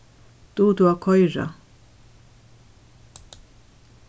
dugir tú at koyra